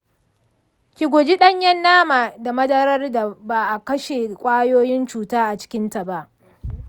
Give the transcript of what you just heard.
ki guji ɗanyen nama da madarar da ba a kashe ƙwayoyin cuta a cikinta ba.